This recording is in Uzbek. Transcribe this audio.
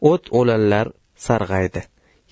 o't o'lanlar sarg'aydi